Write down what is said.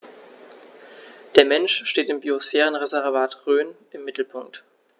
Der Mensch steht im Biosphärenreservat Rhön im Mittelpunkt.